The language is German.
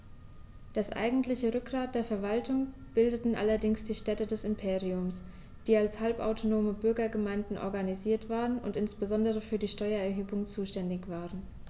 Das eigentliche Rückgrat der Verwaltung bildeten allerdings die Städte des Imperiums, die als halbautonome Bürgergemeinden organisiert waren und insbesondere für die Steuererhebung zuständig waren.